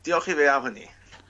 diolch i fe am hynny.